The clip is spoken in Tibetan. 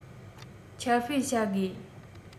ཁྱབ སྤེལ བྱ དགོས